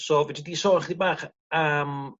so fedri di sôn chydig bach am